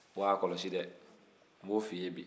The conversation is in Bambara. w'a kɔlɔsi dɛ n b'o f'i ye bi